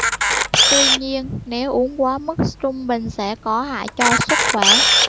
tuy nhiên nếu uống quá mức trung bình sẽ có hại cho sức khỏe